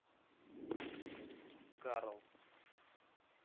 карл